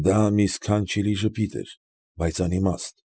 Դա մի սքանչելի ժպիտ էր, բայց անիմաստ։